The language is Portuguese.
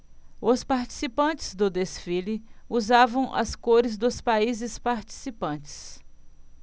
os participantes do desfile usavam as cores dos países participantes